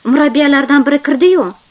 murabbiyalardan biri kirdi yu